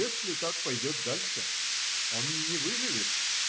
Если так пойдет дальше, он не выживет,